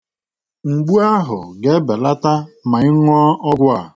Mgbu ahụ ga-ebelata ma ị ṅụọ ọgwụ a.